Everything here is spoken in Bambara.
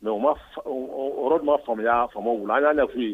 Mais o yɔrɔ de ma faamuya faamaw bolo an y'a